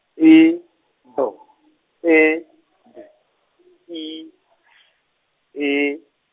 E B E D I S E.